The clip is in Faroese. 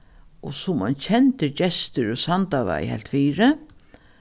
og sum ein kendur gestur úr sandavági helt fyri